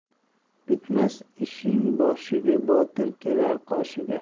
bitmas ishning boshiga botir kelar qoshiga